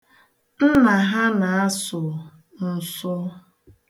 Nna ha na-asụ nsụ.